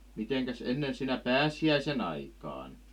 mitenkäs ennen siinä pääsiäisen aikaan